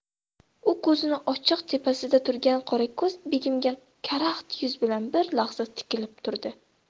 u ko'zini ochib tepasida turgan qorako'z begimga karaxt yuz bilan bir lahza tikilib turdi